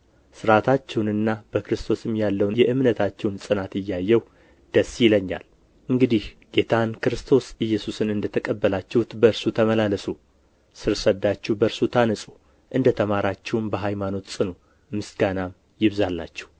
ሥርዓታችሁንም በክርስቶስም ያለውን የእምነታችሁን ጽናት እያየሁ ደስ ይለኛል እንግዲህ ጌታን ክርስቶስ ኢየሱስን እንደ ተቀበላችሁት በእርሱ ተመላለሱ ሥር ሰዳችሁ በእርሱ ታነጹ እንደ ተማራችሁም በሃይማኖት ጽኑ ምስጋናም ይብዛላችሁ